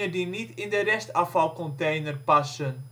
die niet in de restafvalcontainer passen